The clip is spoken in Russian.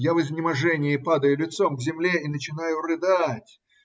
Я в изнеможении падаю лицом к земле и начинаю рыдать.